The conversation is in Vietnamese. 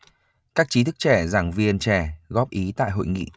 các trí thức trẻ giảng viên trẻ góp ý tại hội nghị